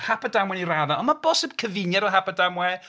Hap a damwain i raddau, ond mae bosib cyfyniad o hap a damwain.